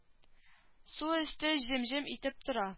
Су өсте җем-җем итеп тора